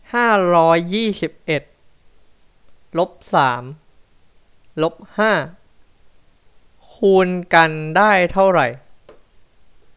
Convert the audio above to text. ห้าร้อยยี่สิบเอ็ดลบสามลบห้าคูณกันได้เท่าไหร่